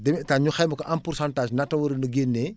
demie hectare ñu xayma ko en pourcentage ñaata waroon a génnee